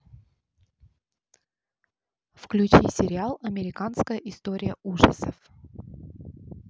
включи сериал американская история ужасов